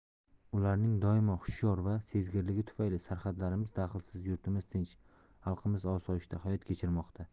ularning doimo hushyor va sezgirligi tufayli sarhadlarimiz daxlsiz yurtimiz tinch xalqimiz osoyishta hayot kechirmoqda